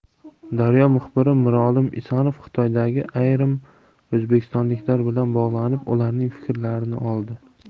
daryo muxbiri mirolim isajonov xitoydagi ayrim o'zbekistonliklar bilan bog'lanib ularning fikrlarini oldi